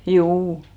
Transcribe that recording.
juu